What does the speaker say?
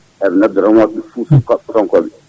taade neɗɗo remoɓe foof ko sukaɓe Foutankoɓe